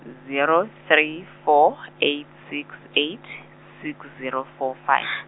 zero three four eight six eight, six zero four five.